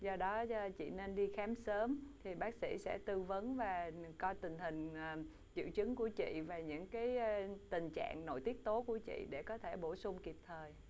do đó do chị nên đi khám sớm thì bác sĩ sẽ tư vấn và coi tình hình à triệu chứng của chị và những cái tình trạng nội tiết tố của chị để có thể bổ sung kịp thời